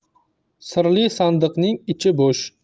sirli sandiqning ichi bo'sh